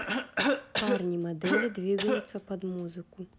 парни модели двигаются под музыку